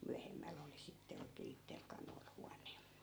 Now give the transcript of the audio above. myöhemmällä oli sitten oikein itsellä kanoilla huone